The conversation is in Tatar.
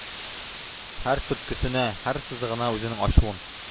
Һәр төрткесенә, һәр сызыгына үзенең ачуын,